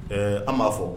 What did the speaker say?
Ɛɛ an b'a fɔ